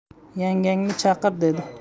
yangangni chaqir dedi